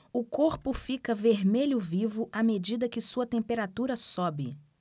o corpo fica vermelho vivo à medida que sua temperatura sobe